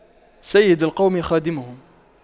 سيد القوم خادمهم